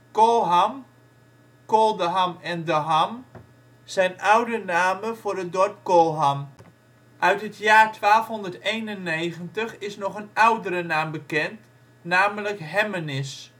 Colham, Koldeham en De Ham zijn oude namen voor het dorp Kolham. Uit het jaar 1291 is nog een oudere naam bekend, namelijk Hemmenis